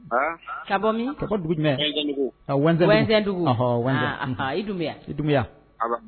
Ka bɔ min tɔgɔ dugu jumɛn wdugu iya i